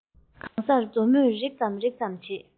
གང སར མཛུབ མོས རེག ཙམ རེག ཙམ བྱེད